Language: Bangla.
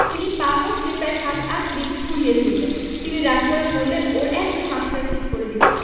তিনি পা মচ্ কে প্রায় সাত আটদিন খুঁড়িয়ে চলতেন তিনি রাগ করে বললেন ওর একজন মাস্টার ঠিক করে দিতে